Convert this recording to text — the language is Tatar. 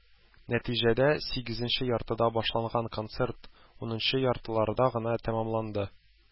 Нәтиҗәдә, сигезенче яртыда башланган концерт унынчы яртыларда гына тәмамланды.